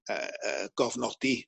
yy yy gofnodi